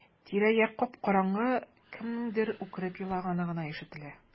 Тирә-як кап-караңгы, кемнеңдер үкереп елаганы гына ишетелә.